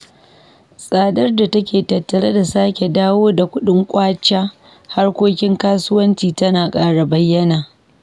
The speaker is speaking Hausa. Tsadar da take tattare da sake dawo da kuɗin Kwacha harkokin kasuwanci tana ƙara bayyana.